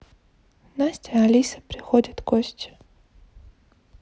настя алиса приходят гости